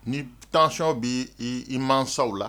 Ni taacyɔn bɛ i masaw la